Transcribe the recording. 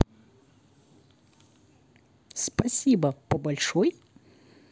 спасибо по большой